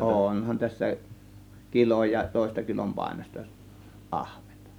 onhan tässä kilo ja toista kilonpainoista ahventa